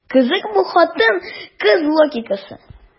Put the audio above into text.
Кызык бу хатын-кыз логикасы.